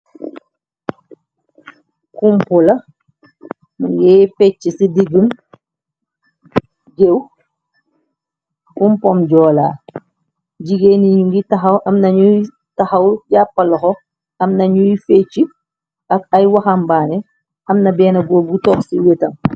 Kumpo la mëngé fecci ci diggi géw, kumpom joola jigéen ni ñu ngi taxaw, am na ñuy taxaw jàppa loxo am nañuy fécci ak ay waxambaane amna benna góor bu toog ci wétam.